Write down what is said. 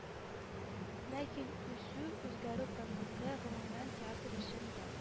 Ләкин үсү, үзгәрү процессы, гомумән, театр өчен дә,